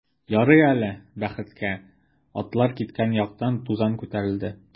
Ярый әле, бәхеткә, атлар киткән яктан тузан күтәрелде.